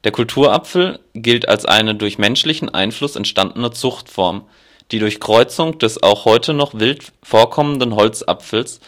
Kulturapfel gilt als eine durch menschlichen Einfluss entstandene Zuchtform, die durch Kreuzung des auch heute noch wild vorkommenden Holzapfels